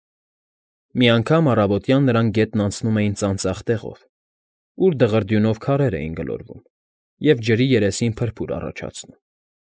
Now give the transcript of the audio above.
Մի անգամ առավոտյան նրանք գետն անցնում էին ծանծաղ տեղով, ուր դղրդյունով քարեր էին գլորվում և ջրի երեսին փրփուր առաջացնում։